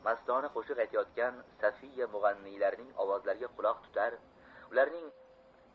mastona qo'shiq aytayotgan sofiya mug'anniylarining ovozlariga quloq tutar